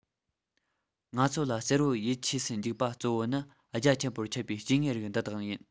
ང ཚོ ལ གསལ པོར ཡིད ཆེས སུ འཇུག པ གཙོ བོ ནི རྒྱ ཆེན པོར ཁྱབ པའི སྐྱེ དངོས རིགས འདི དག ཡིན